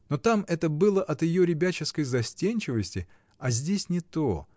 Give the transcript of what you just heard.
Но там это было от ее ребяческой застенчивости, а здесь не то.